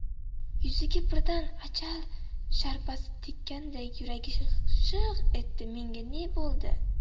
yuziga birdan ajal sharpasi tekkanday yuragi shig' etdi menga ne bo'ldi